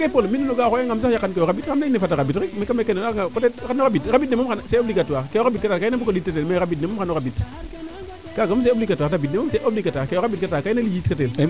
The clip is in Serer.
i jege probleme mi nene ga'a o xooya gaam sax yaqan kee o rabid xam leyne fata rabid xano rabid moom c' est obligatoire kee rabid kata kat=y naa bug ko lijta tel ndambid ne moom xano rabid kaaga moom c' est obligatoire kee o rabid kata kay na lijit ka tel